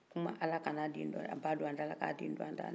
kuma ala kana ba don a da la k'a den don an da